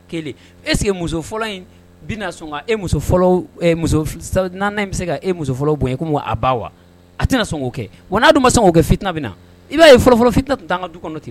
1 est-ce que e muso fɔlɔ bɛna sɔn ,muso 4 nan bɛna sɔn ka e muso fɔlɔ in bonya kɔmi a ba wa? A tɛna sɔn k'o kɛ, wa n'a dun ma sɔn k'o kɛ, o bɛna ni fitinɛ ye, i b'a ye fɔlɔfɔlɔ fitinɛ tun t'an ka du kɔnɔ ten